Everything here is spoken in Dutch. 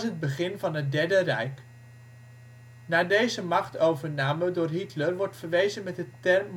begin van het Derde Rijk. Naar deze machtovername door Hitler wordt verwezen met de term